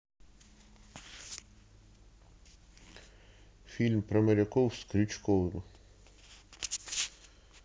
фильм про моряков с крючковым